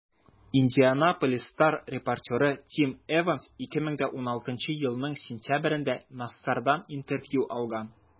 «индианаполис стар» репортеры тим эванс 2016 елның сентябрендә нассардан интервью алган.